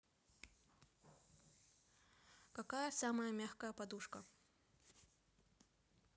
какая самая мягкая подушка